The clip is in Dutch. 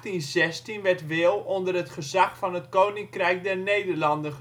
In 1816 werd Wehl onder het gezag van het koninkrijk der Nederlanden